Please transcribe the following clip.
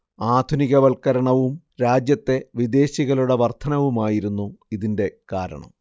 ആധുനികവൽക്കരണവും രാജ്യത്തെ വിദേശികളുടെ വർദ്ധനവുമായിരുന്നു ഇതിന്റെ കാരണം